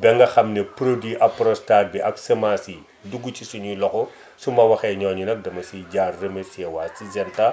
ba nga xam ne produits Apronstar bi ak semence yi dugg ci suñuy loxo su ma waxee ñooñu nag damay si jaar remercié waa Syngenta